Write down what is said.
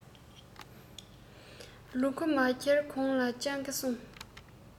ལུ གུ མ འཁྱེར གོང ལ སྤྱང ཀི སྲུངས